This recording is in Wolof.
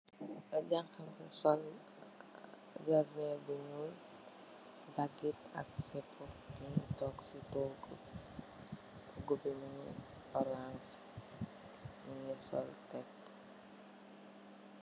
Janha bu sol mbasen bu nglu dagit ak siper mu tuk si tugu bu godu bu orange mu def tek.